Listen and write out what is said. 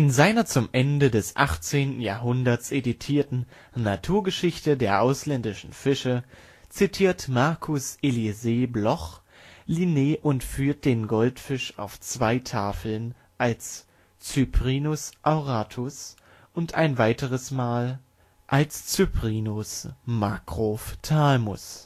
seiner zum Ende des 18. Jahrhunderts editierten „ Naturgeschichte der ausländischen Fische “zitiert Marcus Elieser Bloch Linné und führt den Goldfisch auf zwei Tafeln (93 und 94) als Cyprinus auratus und ein weiteres Mal, auf Tafel 410, als Cyprinus macrophthalmus